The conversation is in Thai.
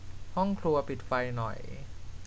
ห้องครัวปิดไฟหน่อย